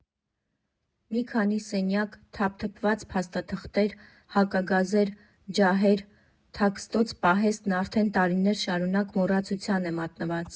Մի քանի սենյակ, թափթփված փաստաթղթեր, հակագազեր, ջահեր՝ թաքստոց֊պահեստն արդեն տարիներ շարունակ մոռացության է մատնված։